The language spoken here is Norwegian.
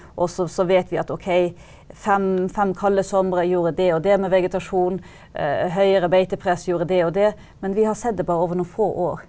og så så vet vi at ok fem fem kalde somre gjorde det med vegetasjonen, høyere beitepress gjorde det og det, men vi har sett det bare over noen få år.